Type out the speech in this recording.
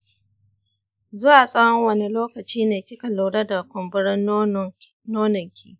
zuwa tsawon wani lokaci ne kika lura da kumburin nonon ki?